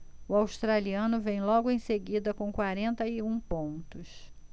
o australiano vem logo em seguida com quarenta e um pontos